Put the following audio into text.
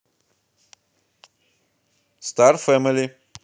стар фэмили